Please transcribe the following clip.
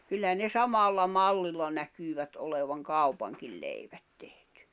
kyllä ne samalla mallilla näkyvät olevan kaupankin leivät tehty